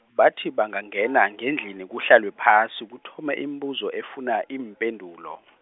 bathi bangangena ngendlini kuhlalwe phasi, kuthome imibuzo efuna iimpendulo .